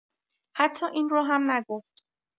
حتی این را هم نگفت.